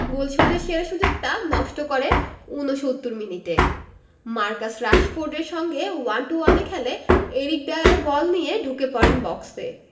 গোল শোধের সেরা সুযোগটা নষ্ট করে ৬৯ মিনিটে মার্কাস রাশফোর্ডের সঙ্গে ওয়ান টু ওয়ানে খেলে এরিক ডায়ার বল নিয়ে ঢুকে পড়েন বক্সে